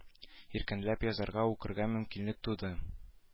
Иркенләп язарга укырга мөмкинлек туды